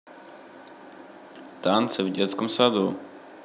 танцы в детском саду